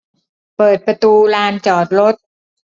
เปิดประตูลานจอดรถ